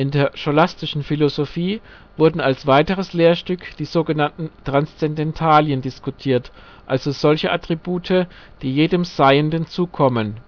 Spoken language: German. der scholastischen Philosophie wurden als weiteres Lehrstück die so genannten Transzendentalien diskutiert, also solche Attribute, die jedem Seienden zukommen